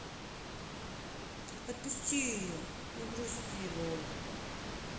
отпусти ее не грусти лоло